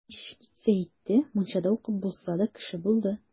Ничек итсә итте, мунчада укып булса да, кеше булды.